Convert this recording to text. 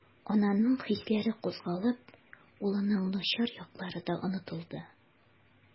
Ананың хисләре кузгалып, улының начар яклары да онытылды.